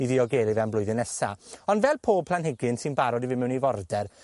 i ddiogelu fe am blwyddyn nesa. Ond fel pob planhigyn sy'n barod i fi mewn i forder,